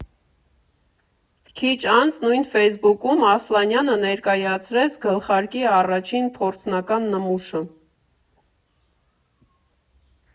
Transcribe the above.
Քիչ անց նույն ֆեյսբուքում Ասլանյանը ներկայացրեց գլխարկի առաջին, փորձնական նմուշը։